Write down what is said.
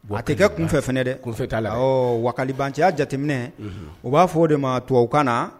A a te kɛ kunfɛ fɛnɛ dɛ kunfɛ t'a la awɔɔ walibanciya jateminɛ unhun u b'a f'ɔ de ma tuwawu kan na